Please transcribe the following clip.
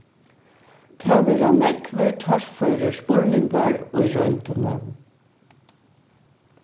tað verða nógvir torførir spurningar í royndini